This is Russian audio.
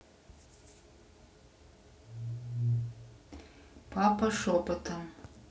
папа шепотом